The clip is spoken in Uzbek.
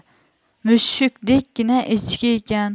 mushukdekkina echki ekan